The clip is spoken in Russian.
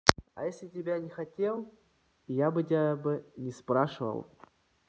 а если тебя не хотел я бы тебя бы не спрашивал